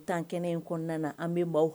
Tan kɛnɛ in kɔnɔna na an bɛ mɔɔw